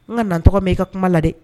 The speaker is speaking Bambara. N ka na tɔgɔ mɛn' i ka kuma la dɛ